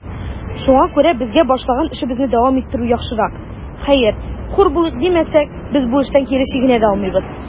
Шуңа күрә безгә башлаган эшебезне дәвам иттерү яхшырак; хәер, хур булыйк димәсәк, без бу эштән кире чигенә дә алмыйбыз.